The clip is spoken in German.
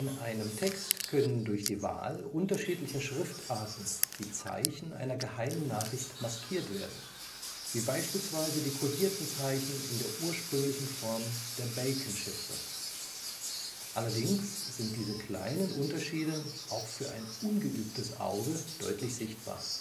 einem Text können durch die Wahl unterschiedlicher Schriftarten die Zeichen einer geheimen Nachricht maskiert werden, wie beispielsweise die kodierten Zeichen in der ursprünglichen Form der Bacon-Chiffre. Allerdings sind diese kleinen Unterschiede auch für ein ungeübtes Auge deutlich sichtbar